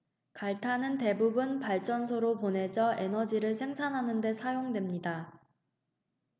갈탄은 대부분 발전소로 보내져서 에너지를 생산하는 데 사용됩니다